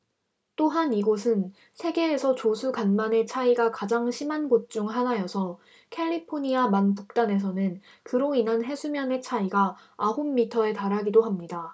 또한 이곳은 세계에서 조수 간만의 차이가 가장 심한 곳 중 하나여서 캘리포니아 만 북단에서는 그로 인한 해수면의 차이가 아홉 미터에 달하기도 합니다